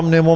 jërëjëf